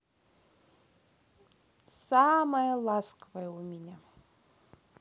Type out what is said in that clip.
самая ласковая у меня